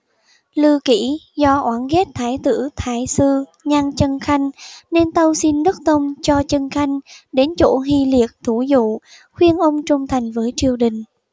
lư kỉ do oán ghét thái tử thái sư nhan chân khanh nên tâu xin đức tông cho chân khanh đến chỗ hi liệt thủ dụ khuyên ông trung thành với triều đình